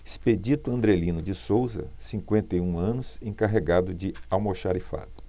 expedito andrelino de souza cinquenta e um anos encarregado de almoxarifado